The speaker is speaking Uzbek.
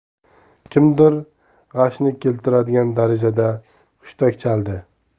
kimdir g'ashni keltiradigan darajada hushtak chaldi